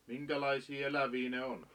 minkälaisia eläviä ne on